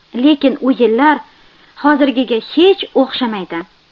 lekin u yillar hozirgiga hech o'xshamaydi